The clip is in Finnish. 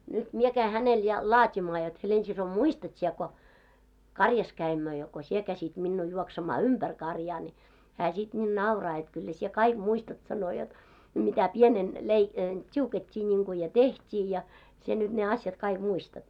nyt minä kävin hänelle ja laatimaan jotta Helena-sisko muistat sinä kun karjassa kävimme ja kun sinä käskit minua juoksemaan ympäri karjaa niin hän sitten niin nauraa jotta kyllä sinä kaikki muistat sanoi jotta mitä pienenä - tiukattiin niin kuin ja tehtiin ja sinä nyt ne asiat kaikki muistat